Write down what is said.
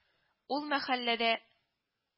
Ул мәхәлләдә